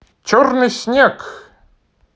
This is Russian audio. черный снег